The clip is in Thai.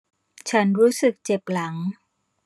ฉันรู้สึกเจ็บหลัง